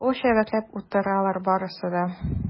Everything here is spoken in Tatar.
Кул чәбәкләп утыралар барысы да.